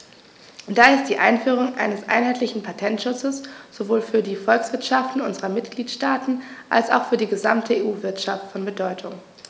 Daher ist die Einführung eines einheitlichen Patentschutzes sowohl für die Volkswirtschaften unserer Mitgliedstaaten als auch für die gesamte EU-Wirtschaft von Bedeutung.